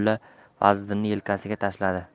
yechib mulla fazliddinning yelkasiga tashladi